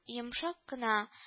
Йомшак кына